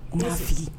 N'a fili